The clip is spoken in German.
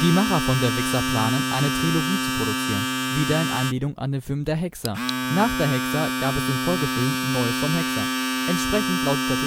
Macher von Der Wixxer planen, eine Trilogie zu produzieren, wieder in Anlehnung an den Film Der Hexer. Nach Der Hexer gab es den Folgefilm Neues vom Hexer. Entsprechend lautet